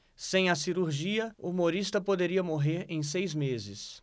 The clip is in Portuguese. sem a cirurgia humorista poderia morrer em seis meses